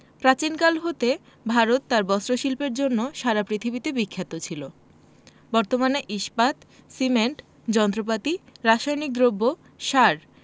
প্রাচীনকাল হতে ভারত তার বস্ত্রশিল্পের জন্য সারা পৃথিবীতে বিখ্যাত ছিল বর্তমানে ইস্পাত সিমেন্ট যন্ত্রপাতি রাসায়নিক দ্রব্য সার